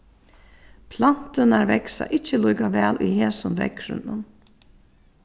planturnar vaksa ikki líka væl í hesum veðrinum